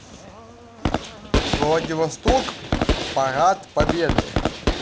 владивосток парад победы